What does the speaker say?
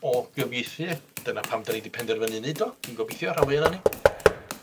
o gyfieithu, dyna pam 'dan ni 'di penderfynu neud o, dwi'n gobeithio rhan fwyaf onno'n ni.